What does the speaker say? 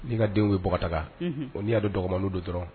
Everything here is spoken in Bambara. N'i ka denw ka taga, unhun, n'u y'a dɔn dɔgɔnmaninw don dɔrɔn